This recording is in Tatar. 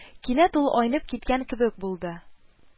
Кинәт ул айнып киткән кебек булды